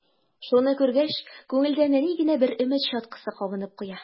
Шуны күргәч, күңелдә нәни генә бер өмет чаткысы кабынып куя.